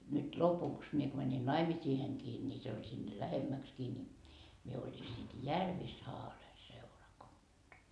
nyt lopuksi minä kun menin naimisiinkin niin se oli sinne lähemmäksikin niin minä olin sitten Järvisaaren seurakunta